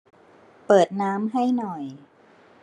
เปิดน้ำให้หน่อย